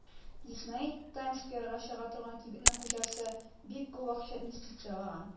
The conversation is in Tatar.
Дисней (Таймс-скверга чыга торган кибетнең хуҗасы) бик күп акча инвестицияләгән.